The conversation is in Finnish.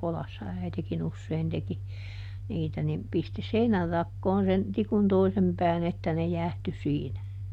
kodassa äitikin usein teki niitä niin pisti seinänrakoon sen tikun toisen pään että ne jäähtyi siinä